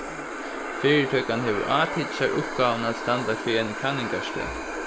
fyritøkan hevur átikið sær uppgávuna at standa fyri eini kanningarstøð